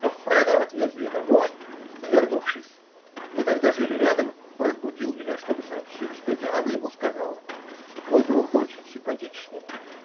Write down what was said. Гоффредо отвез ее домой и, вернувшись (мы тогда жили рядом), разбудил меня, чтобы сообщить, что Диана ему сказала: -- Твой друг очень симпатичный.